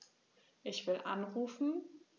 Ich will anrufen.